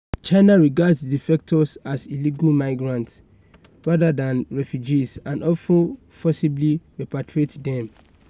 China regards the defectors as illegal migrants rather than refugees and often forcibly repatriates them.